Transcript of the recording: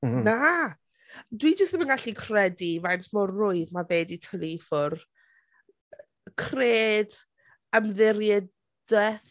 Na. Dwi jyst ddim yn gallu credu faint mor rwydd ma' fe 'di tynnu ffwrdd... cred... ymddiried-eth?